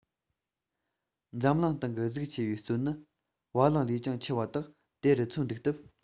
འཛམ གླིང སྟེང གི གཟུགས ཆེ བའི གཙོད ནི བ གླང ལས ཀྱང ཆེ བ དག དེ རུ འཚོ འདུག སྟབས